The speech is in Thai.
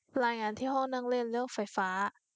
รายงานที่ห้องนั่งเล่นเรื่องไฟฟ้า